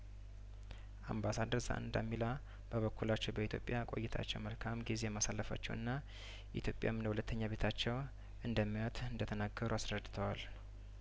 አምባሳደር ዛንዳሚላ በበኩላቸው በኢትዮጵያ ቆይታቸው መልካም ጊዜ ማሳለፋቸውንና ኢትዮጵያም እንደ ሁለተኛ ቤታቸው እንደሚያዩዋት እንደተናገሩ አስረድተዋል